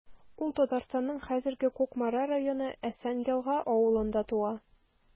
Ул Татарстанның хәзерге Кукмара районы Әсән Елга авылында туа.